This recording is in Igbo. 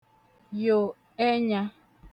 yo ẹnyā